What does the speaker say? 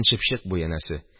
Чыпчык бу, янәсе.